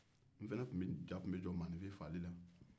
n fana ja tun bɛ jɔ maaninfin faali la